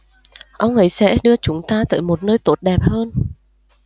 ông ấy sẽ đưa chúng ta tới một nơi tốt đẹp hơn